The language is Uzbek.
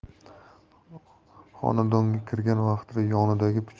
xonadonga kirgan vaqtida yonidagi pichog'i